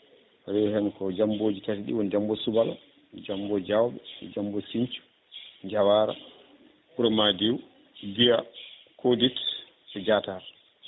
rewi hen ko Diamboji tati ɗi woni Diambo Soubalo Diambo Diawɓe Diambo Sinthiou Diawara Wuuro Madiw Guiya Koditte Diatar